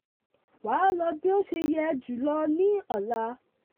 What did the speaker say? Wàá lọ̀ bí ó ṣe yẹ jùlọ́ ní ọ̀la.